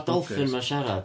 Dolffin 'ma'n siarad?